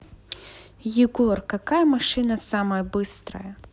егор какая машина самая быстрая